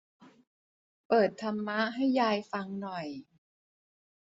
เปิดธรรมะให้ยายฟังหน่อย